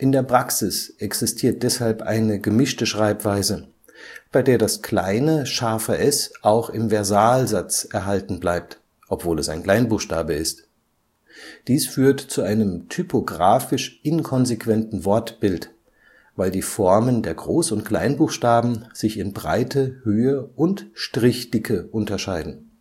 der Praxis existiert deshalb eine gemischte Schreibweise, bei der das kleine „ ß “auch im Versalsatz erhalten bleibt („ Weiß “wird zu „ WEIß “), obwohl es ein Kleinbuchstabe ist. Dies führt zu einem typografisch inkonsequenten Wortbild, weil die Formen der Groß - und Kleinbuchstaben sich in Breite, Höhe und Strichdicke unterscheiden